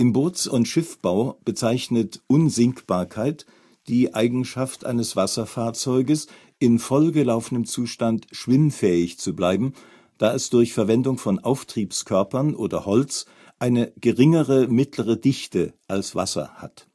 Boots - und Schiffbau bezeichnet Unsinkbarkeit die Eigenschaft eines Wasserfahrzeuges, in vollgelaufenem Zustand schwimmfähig zu bleiben, da es durch Verwendung von Auftriebskörpern oder Holz eine geringere mittlere Dichte als Wasser hat